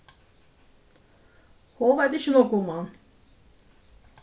hon veit ikki nógv um hann